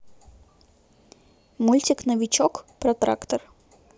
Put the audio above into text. мультик новичок про трактор